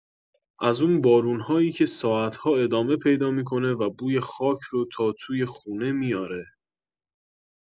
از اون بارون‌هایی که ساعت‌ها ادامه پیدا می‌کنه و بوی خاک رو تا توی خونه میاره.